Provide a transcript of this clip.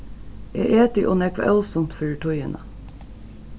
eg eti ov nógv ósunt fyri tíðina